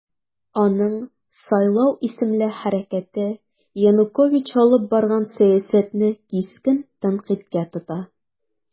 Аның "Сайлау" исемле хәрәкәте Янукович алып барган сәясәтне кискен тәнкыйтькә тота.